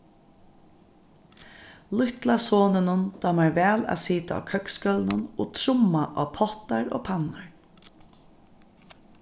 lítla soninum dámar væl at sita á køksgólvinum og trumma á pottar og pannur